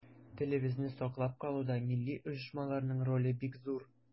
Телебезне саклап калуда милли оешмаларның роле бик зур.